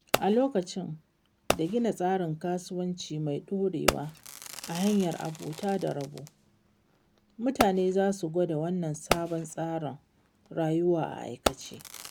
A lokacin da gina tsarin kasuwanci mai ɗorewa ta hanyar abota da rabo, mutane za su gwada wannan sabon tsarin rayuwar a aikace,